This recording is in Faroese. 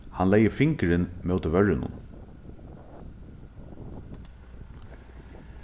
hann legði fingurin móti vørrunum